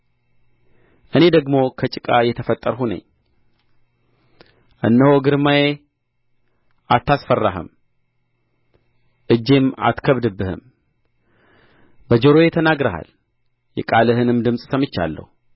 እኔ ደግሞ ከጭቃ የተፈጠርሁ ነኝ እነሆ ግርማዬ አታስፈራህም እጄም አትከብድብህም በጆሮዬ ተናግረሃል የቃልህንም ድምፅ ሰምቻለሁ